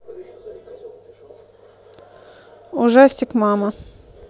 ужастик мама